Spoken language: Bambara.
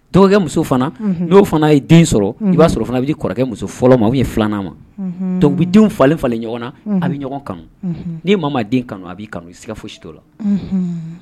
Muso fana oo fana ye den sɔrɔ i b'a sɔrɔ fana bɛ kɔrɔkɛ muso fɔlɔ ma ye filanan ma tbi denw falen falen ɲɔgɔn na a bɛ ɲɔgɔn kanu n' maa ma den kanu a bɛ kanu iiga foyisi to la